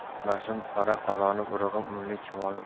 qarindoshim qora qozonim urug'im unli chuvolim